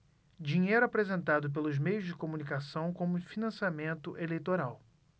dinheiro apresentado pelos meios de comunicação como financiamento eleitoral